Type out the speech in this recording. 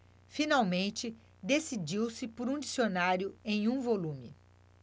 finalmente decidiu-se por um dicionário em um volume